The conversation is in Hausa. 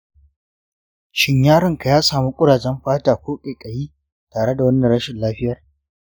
shin yaronka ya sami kurajen fata ko ƙaiƙayi tare da wannan rashin lafiyar?